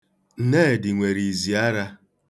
Nnedị nwere izi ara.